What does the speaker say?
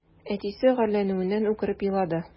Әтисе гарьләнүеннән үкереп елады.